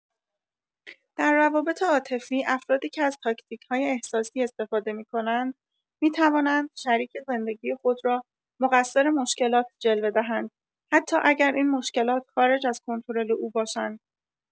در روابط عاطفی، افرادی که از تاکتیک‌های احساسی استفاده می‌کنند، می‌توانند شریک زندگی خود را مقصر مشکلات جلوه دهند، حتی اگر این مشکلات خارج از کنترل او باشند.